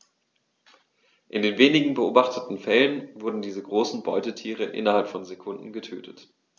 In den wenigen beobachteten Fällen wurden diese großen Beutetiere innerhalb von Sekunden getötet.